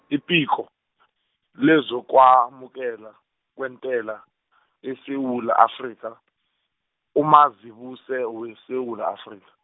iphiko , lezokwamukelwa, kwentela, eSewula Afrika, uMazibuse weSewula Afrika.